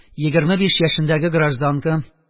Егерме биш яшендәге гражданка,